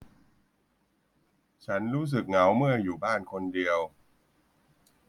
ฉันรู้สึกเหงาเมื่ออยู่บ้านคนเดียว